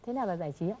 thế nào là giả trí ạ